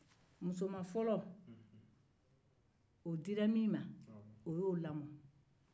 musoman fɔlɔ o dila min ma o y'o lamɔ